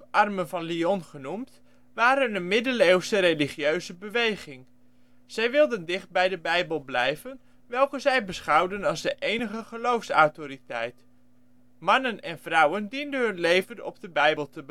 armen van Lyon genoemd, waren een Middeleeuwse religieuze beweging. Zij wilden dicht bij de bijbel blijven, welke zij beschouwden als de enige geloofsautoriteit. Mannen en vrouwen dienden hun leven op de bijbel te baseren